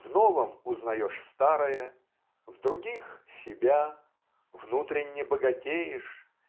В новом узнаешь старое, в других себя внутренне богатеешь